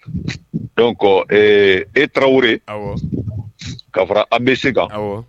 E tarawelewo k' an bɛ se kan